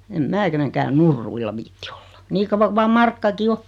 en minä kenenkään nurruilla viitsi olla niin kauan kuin vain markkakin on